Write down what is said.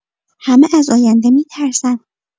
همه از آینده می‌ترسن.